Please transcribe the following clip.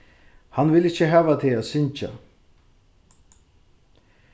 hann vil ikki hava teg at syngja